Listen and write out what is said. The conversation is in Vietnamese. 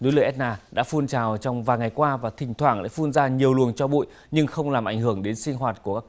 núi lửa ét na đã phun trào trong vài ngày qua và thỉnh thoảng lại phun ra nhiều luồng tro bụi nhưng không làm ảnh hưởng đến sinh hoạt của